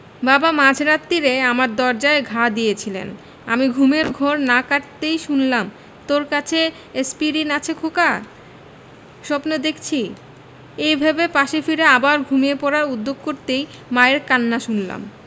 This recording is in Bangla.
বাবা মাঝ রাত্তিরে আমার দরজায় ঘা দিয়েছিলেন আমার ঘুমের ঘোর না কাটতেই শুনলাম তোর কাছে এ্যাসপিরিন আছে খোকা স্বপ্ন দেখছি এই ভেবে পাশে ফিরে আবার ঘুমিয়ে পড়ার উদ্যোগ করতেই মায়ের কান্না শুনলাম